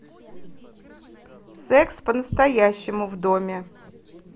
секс по настоящему в доме